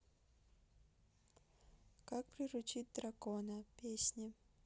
как приручить дракона песни